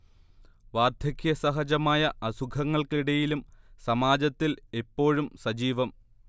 വാർധക്യസഹജമായ അസുഖങ്ങൾക്കിടയിലും സമാജത്തിൽ ഇപ്പോഴും സജീവം